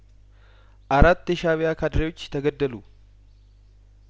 አራት የሻእቢያ ካድሬዎች ተገደሉ